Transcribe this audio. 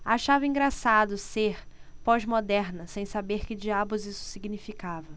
achava engraçado ser pós-moderna sem saber que diabos isso significava